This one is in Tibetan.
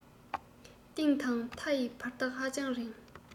གཏིང དང མཐའ ཡི བར ཐག ཧ ཅང རིང